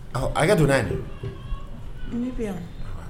Ɔhɔ hakɛto na yan ne bɛ yan